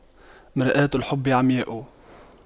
مرآة الحب عمياء